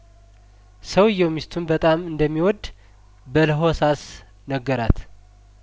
ሰውዬው ሚስቱን በጣም እንደሚወድ በለሆሳ ስነገራት